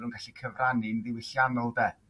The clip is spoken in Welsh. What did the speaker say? n'w'n gallu cyfrannu'n ddiwylliannol de?